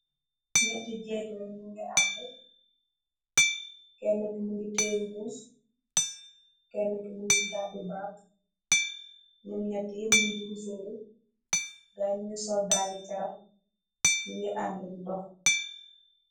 Nyeti jekla nyugi anda. Kenaki mungi tiyeah mbos, kenaki mungi gadu bag, nyom nyeti nyep nyungi musoru. Gayi nyugi sol daali charahk , nyungi anda di dohk.